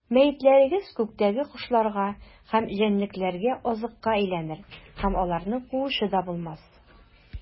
Мәетләрегез күктәге кошларга һәм җәнлекләргә азыкка әйләнер, һәм аларны куучы да булмас.